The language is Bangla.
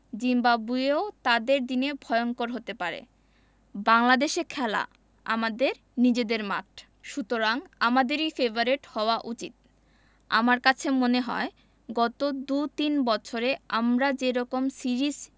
জিম্বাবুয়েও তাদের দিনে ভয়ংকর হতে পারে বাংলাদেশে খেলা আমাদের নিজেদের মাঠ সুতরাং আমাদেরই ফেবারিট হওয়া উচিত আমার কাছে মনে হয় গত দুতিন বছরে আমরা যে রকম সিরিজ